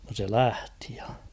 no se lähti ja